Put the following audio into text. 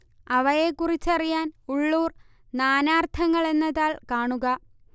അവയെക്കുറിച്ചറിയാൻ ഉള്ളൂർ നാനാർത്ഥങ്ങൾ എന്ന താൾ കാണുക